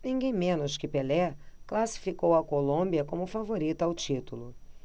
ninguém menos que pelé classificou a colômbia como favorita ao título